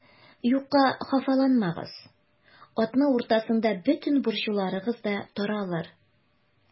Юкка хафаланмагыз, атна уртасында бөтен борчуларыгыз да таралыр.